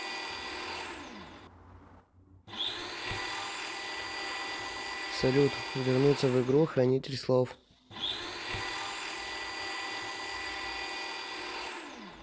салют вернуться в игру хранитель слов